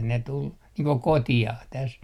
ne tuli niin kuin kotiin tässä